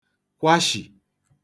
kwashì